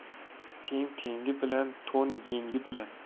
teng tengi bilan to'n yengi bilan